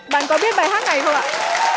bạn có biết bài hát này không ạ